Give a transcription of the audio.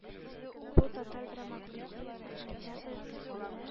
Бу — татар драматургиясе һәм театр өлкәсендә